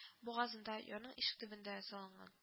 Бугазында, ярның ишек төбендә салынган